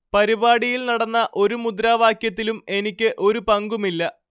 പരിപാടിയിൽ നടന്ന ഒരു മുദ്രാവാക്യത്തിലും എനിക്ക് ഒരു പങ്കുമില്ല